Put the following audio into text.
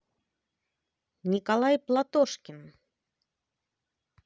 николай платошкин